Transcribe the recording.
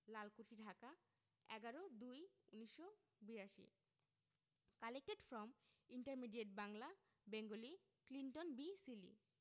Lalkuthi Dhaka ১১ ০২ ১৯৮২ collected from intermediate Bangla Bengali Clinton B Seely